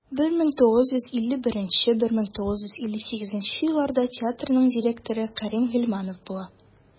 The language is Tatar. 1951-1958 елларда театрның директоры кәрим гыйльманов була.